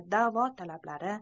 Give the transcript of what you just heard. da'vo talablari